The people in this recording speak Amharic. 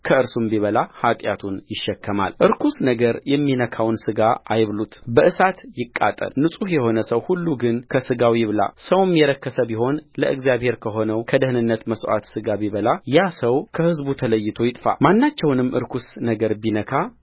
ከእርሱም ቢበላ ኃጢአቱን ይሸከማልርኩስ ነገር የሚነካውን ሥጋ አይብሉት በእሳት ይቃጠል ንጹሕ የሆነ ሰው ሁሉ ግን ከሥጋው ይብላሰውም የረከሰ ቢሆን ለእግዚአብሔርም ከሆነው ከደኅንነት መሥዋዕት ሥጋ ቢበላ ያ ሰው ከሕዝቡ ተለይቶ ይጥፋማናቸውንም ርኵስ ነገር ቢነካ